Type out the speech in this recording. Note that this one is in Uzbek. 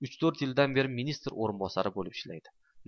uch to'rt yildan beri ministr o'rinbosari bo'lib ishlaydi